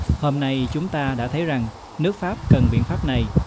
hôm nay chúng ta đã thấy rằng nước pháp cần biện pháp này